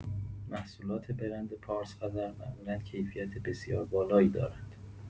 محصولات برند پارس خزر معمولا کیفیت بسیار بالایی دارند.